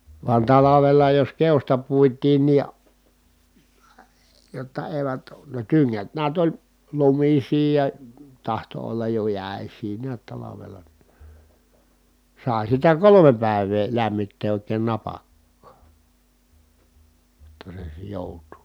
vaan talvella jos keosta puitiin niin jotta eivät ne tyngät näet oli lumisia ja tahtoi olla jo jäisiä näet talvella niin sai sitä kolme päivää lämmittää oikein napakkaa jotta se - joutuu